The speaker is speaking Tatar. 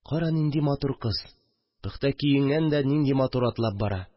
Кара, нинди матур кыз, пөхтә киенгән дә нинди матур атлап бара